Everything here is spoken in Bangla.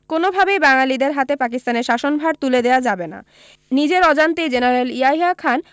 কোনোভাবেই বাঙালিদের হাতে পাকিস্তানের শাসনভার তুলে দেয়া যাবে না নিজের অজান্তেই জেনারেল ইয়াহিয়া খান